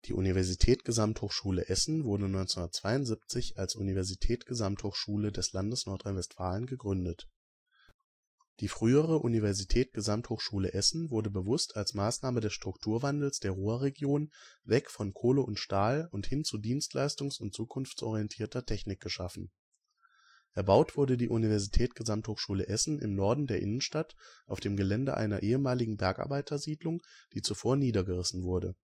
Universität-Gesamthochschule Essen wurde 1972 als Universität-Gesamthochschule des Landes Nordrhein-Westfalen gegründet. Die frühere Universität-Gesamthochschule Essen wurde bewusst als Maßnahme des Strukturwandels der Ruhrregion, weg von Kohle und Stahl und hin zu dienstleistungs - und zukunftsorientierter Technik geschaffen. Erbaut wurde die Universität-Gesamthochschule Essen im Norden der Innenstadt auf dem Gelände einer ehemaligen Bergarbeiter-Siedlung, die zuvor niedergerissen wurde